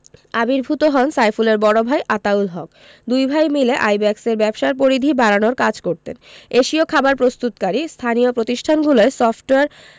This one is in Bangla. আবির্ভূত হন সাইফুলের বড় ভাই আতাউল হক দুই ভাই মিলে আইব্যাকসের ব্যবসার পরিধি বাড়ানোর কাজ করতেন এশীয় খাবার প্রস্তুতকারী স্থানীয় প্রতিষ্ঠানগুলোয় সফটওয়্যার